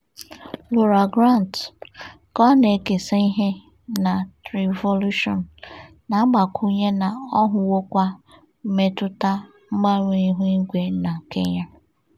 Laura Grant, ka ọ na-ekesa ihe na Treevolution, na-agbakwụnye na a hụwokwa mmetụta mgbanwe ihu igwe na Kenya.